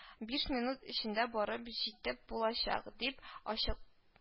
Биш минут эчендә барып җитеп булачак, - дип ачык